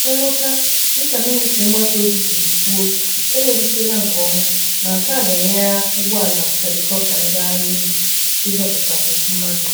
Nhụta, dị ka mịnịstrị mgbasa ozi siri kwuo, e melitela nkeọma ma nke a ga-enyere ụgbọelu helikọpta ndị aghaelu ịzọpụtakwu mmadụ.